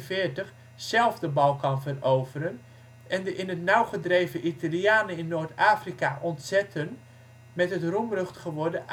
1941 zelf de Balkan veroveren en de in het nauw gedreven Italianen in Noord-Afrika ontzetten met het roemrucht geworden